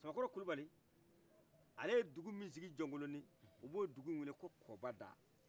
cɛkɔrɔ kulubali ale ye dugu min sigi jɔnkolonnin ko kurabada